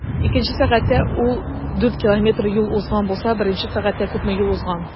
Икенче сәгатьтә ул 4 км юл узган булса, беренче сәгатьтә күпме юл узган?